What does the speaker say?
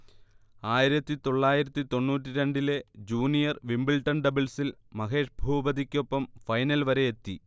ആയിരത്തി തൊള്ളായിരത്തി തൊണ്ണൂറ്റിരണ്ട് ലെ ജൂനിയർ വിംബിൾഡൺ ഡബ്ൾസിൽ മഹേഷ് ഭൂപതിക്കൊപ്പം ഫൈനൽ വരെയെത്തി